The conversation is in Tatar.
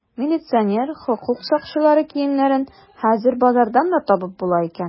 Милиционер, хокук сакчылары киемнәрен хәзер базардан да табып була икән.